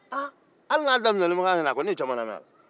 aa hali n'a daminalen ma k'a ɲɛna a kɔni ye caman lamɛn a la